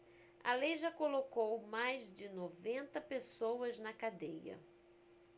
a lei já colocou mais de noventa pessoas na cadeia